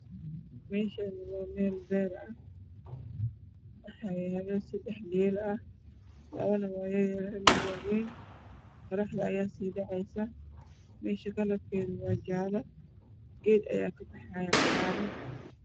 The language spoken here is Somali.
Meshan waa meel beer ah waxaa yaalo sadex geel ah labana waa yaryar halna waa wayn qoraxda ayaa siidhacaysa mesha kalarkeeda waa jaale geed ayaa kabaxaya cagaaran